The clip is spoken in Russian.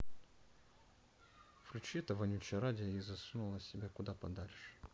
выключи это вонючее радио и засунула себе куда подальше